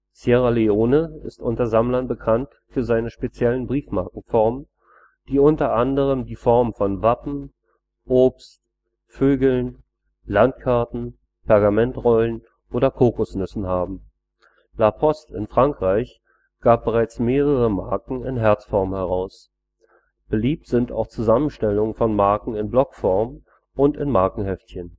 Sierra Leone ist unter Sammlern bekannt für seine speziellen Briefmarkenformen, die unter anderem die Form von Wappen, Obst, Vögeln, Landkarten, Pergamentrollen oder Kokosnüssen haben. La Poste in Frankreich gab bereits mehrere Marken in Herzform heraus. Beliebt sind auch Zusammenstellungen von Marken in Blockform und in Markenheftchen